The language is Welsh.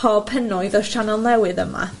pob penoedd y sianel newydd yma